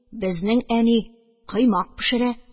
Безнең әни коймак пешерә